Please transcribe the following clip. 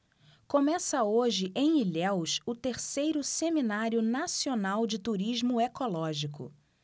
começa hoje em ilhéus o terceiro seminário nacional de turismo ecológico